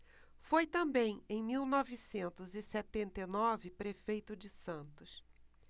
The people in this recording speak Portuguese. foi também em mil novecentos e setenta e nove prefeito de santos